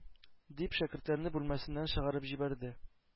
Дип, шәкертләрне бүлмәсеннән чыгарып җибәрде.